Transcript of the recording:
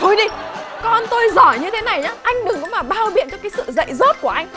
thôi đi con tôi giỏi như thế này á anh đừng có mà bao biện cho cái sự dạy dốt của anh